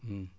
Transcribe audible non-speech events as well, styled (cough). (hesitation)